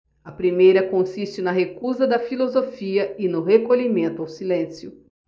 a primeira consiste na recusa da filosofia e no recolhimento ao silêncio